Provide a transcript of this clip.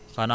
waa